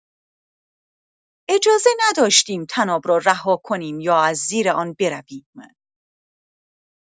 اجازه نداشتیم طناب را رها کنیم یا از زیر آن برویم.